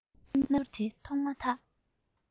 རྣམ འགྱུར དེ མཐོང མ ཐག